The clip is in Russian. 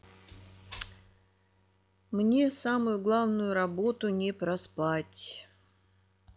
мне самую главную работу не проспать